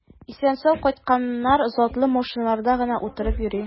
Исән-сау кайтканнар затлы машиналарда гына утырып йөри.